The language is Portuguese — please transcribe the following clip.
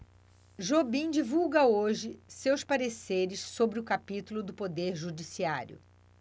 jobim divulga hoje seus pareceres sobre o capítulo do poder judiciário